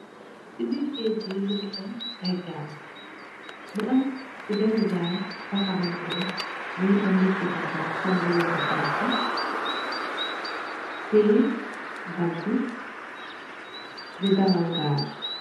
Ci biir géej be muge am aye gaal mu am ci bene gaal koxamantane mëngi am neet ku fa tonke sol mubu bu xonxu teye bante di dawal gaal bi.